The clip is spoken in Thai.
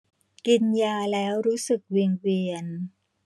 กินยาแล้วรู้สึกวิงเวียน